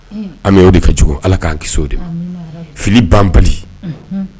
Ami o de fɛn sugu Ala k'an kisi o ma fili banbali, amina.